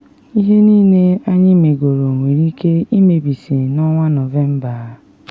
“Ihe niile anyị megoro nwere ike imebisi na Nọvemba.